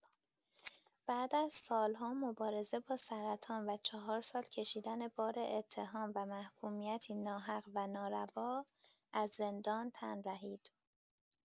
بعد از سال‌ها مبارزه با سرطان و چهار سال کشیدن بار اتهام و محکومیتی ناحق و ناروا، از زندان تن رهید.